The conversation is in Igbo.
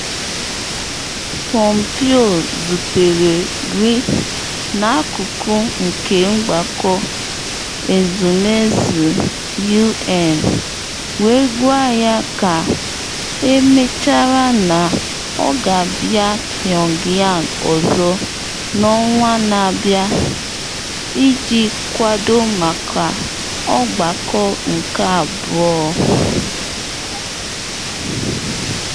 Pompeo zutere Ri n’akụkụ nke Mgbakọ Ezumezu U.N. wee gwa ya ka emechara na ọ ga-abịa Pyongyang ọzọ n’ọnwa na-abịa iji kwado maka ọgbakọ nke abụọ.